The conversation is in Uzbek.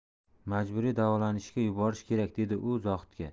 majburiy davolanishga yuborish kerak dedi u zohidga